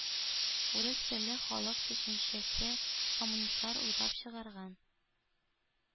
«урыс телле халык» төшенчәсе — коммунистлар уйлап чыгарган